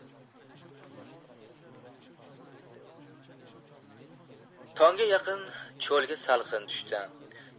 tongga yaqin cho'lga salqin tushdi